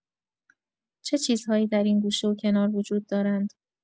چه چیزهای در این گوشه‌وکنار وجود دارند؟